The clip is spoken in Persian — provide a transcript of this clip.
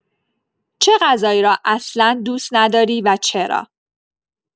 چه غذایی را اصلا دوست نداری و چرا؟